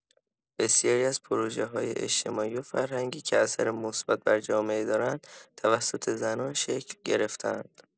بسیاری از پروژه‌های اجتماعی و فرهنگی که اثر مثبت بر جامعه دارند، توسط زنان شکل گرفته‌اند؛